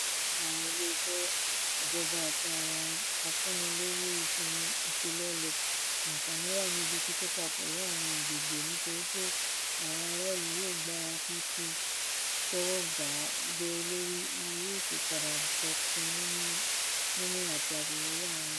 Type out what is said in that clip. Fún àwọn ilé iṣẹ́, ìjọba, àti àwọn afúnni-lówó ìfilọ́lẹ̀, àǹfààní wà níbí kíkópa pẹ̀lú àwọn agbègbè nítorí pé àwọn ará ìlú yóò gbárùkù ti, tẹ́wọ̀ gbàá, gbée léri, wọn yóò sì padà jọ pín nínú níni àti àṣeyọrí àwọn ètò.